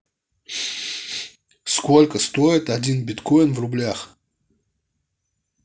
сколько стоит один биткоин в рублях